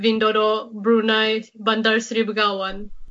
fi'n dod o Brunei Bandar Seri Begawan.